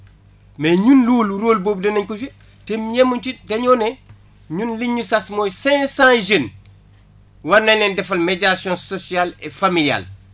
mais ñun loolu rôle boobu danañ ko joué te yemuñ ci dañoo ne ñun liñ ñu sas mooy cinq cent jeunes war nañ leen defal médiation sociale et familiale